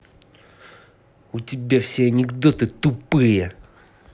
у тебя все анекдоты тупые